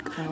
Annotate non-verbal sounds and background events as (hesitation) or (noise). (hesitation) (hesitation)